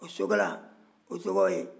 o sokala o tɔgɔ ye